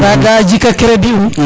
nda ka jika crédit um